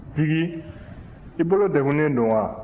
jigi i bolo degunnen don wa